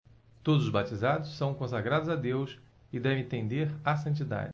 todos os batizados são consagrados a deus e devem tender à santidade